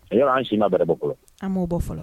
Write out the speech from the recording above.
A y' an si ma bɛrɛ bɔ kɔ an b'o bɔ fɔlɔ